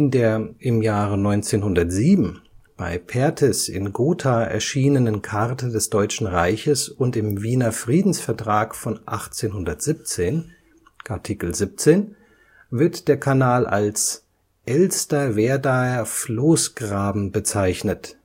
der im Jahre 1907 bei Perthes in Gotha erschienen Karte des Deutschen Reiches und im Wiener Friedensvertrag von 1815 (Artikel 17) wird der Kanal als Elsterwerdaer-Floßgraben bezeichnet